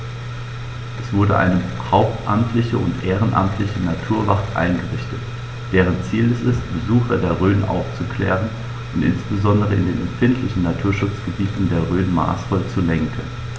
Es wurde eine hauptamtliche und ehrenamtliche Naturwacht eingerichtet, deren Ziel es ist, Besucher der Rhön aufzuklären und insbesondere in den empfindlichen Naturschutzgebieten der Rhön maßvoll zu lenken.